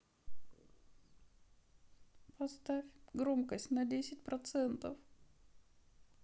поставь громкость на десять процентов